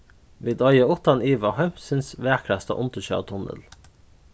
vit eiga uttan iva heimsins vakrasta undirsjóvartunnil